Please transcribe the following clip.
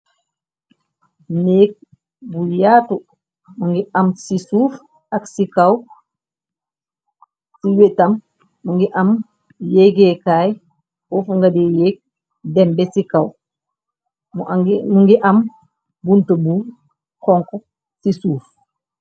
Néek bu yaatu mu ngi am ci suuf ak kaw ci wétam mu ngi am yéggéekaay ofu nga di yéeg dembe ci kaw mu ngi am bunte bu xonk ci suuf.